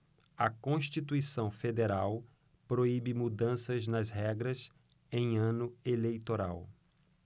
a constituição federal proíbe mudanças nas regras em ano eleitoral